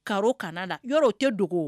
Carreau kanna na yɔrɔ o tɛ dogo